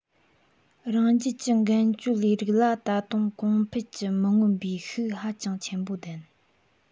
རང རྒྱལ གྱི འགན བཅོལ ལས རིགས ལ ད དུང གོང སྤེལ གྱི མི མངོན པའི ཤུགས ཧ ཅང ཆེན པོ ལྡན